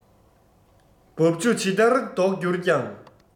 འབབ ཆུ ཇི ལྟར ལྡོག གྱུར ཀྱང